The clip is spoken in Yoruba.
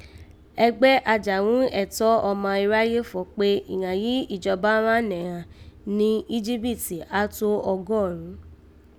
Ẹgbẹ́ ajàghún ẹ̀tọ́ ọma iráyé fọ̀ọ́ kpé, ìghàn yìí ìjọba rán nẹ̀ghàn ni Íjíbítì á tó ọgọ́rùn ún